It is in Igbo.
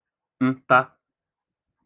nta